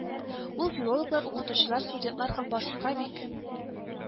Ул филологлар, укытучылар, студентлар һәм башка бик